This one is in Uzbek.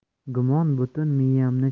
gumon butun miyamni